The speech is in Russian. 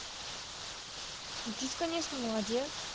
учись конечно молодец